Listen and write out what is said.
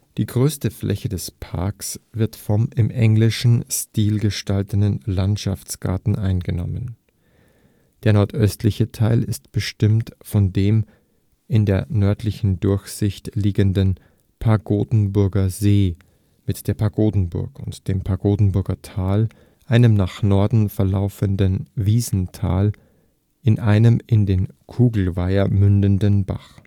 Die größte Fläche des Parks wird vom im englischen Stil gestalteten Landschaftsgarten eingenommen. Der nördliche Teil ist bestimmt von dem in der Nördlichen Durchsicht liegenden Pagodenburger See mit der Pagodenburg und dem Pagodenburger Tal, einem nach Norden verlaufenden Wiesental mit einem in den Kugelweiher mündenden Bach